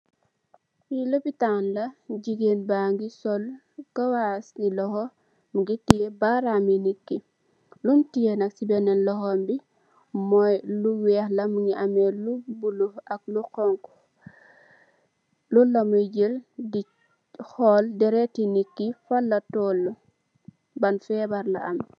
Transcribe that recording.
Fi lopitaal la, jigéen ba ngi kawaas ci loho, mungi tè barami nit ki. Lum tè nak ci benen lohom bi moy lu weeh la, mungi ameh lu bulo ak lu honku. lolami jël di hool dèrèti nit yi fan la tolu, ban fèbarr la ameh.